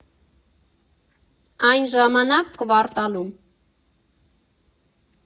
Այն ժամանակ՝ Կվարտալում։